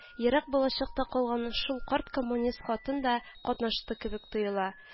Ерак балачакта калган шул карт коммунист хатын да катнашты кебек тоела